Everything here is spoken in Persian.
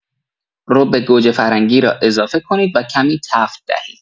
رب گوجه‌فرنگی را اضافه کنید و کمی تفت دهید.